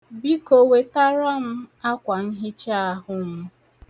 Biko, wetara m akwanhichaahụ m.